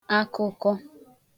akụkọ